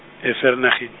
e- Vereeniging.